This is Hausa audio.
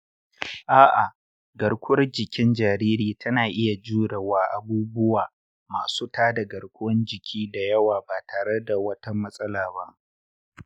a’a, garkuwar jikin jariri tana iya jure wa abubuwa masu tada garkuwar jiki da yawa ba tare da wata matsala ba.